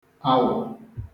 awọ̀